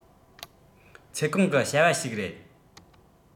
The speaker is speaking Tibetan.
ཚེ གང གི བྱ བ ཞིག རེད